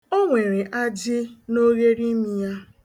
O nwere ajị n'ogheriimi ya.